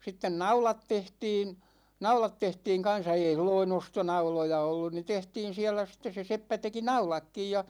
sitten naulat tehtiin naulat tehtiin kanssa ei silloin ostonauloja ollut niin tehtiin siellä sitten se seppä teki naulatkin ja